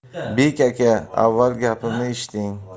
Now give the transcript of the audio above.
bek aka avval gapimni eshiting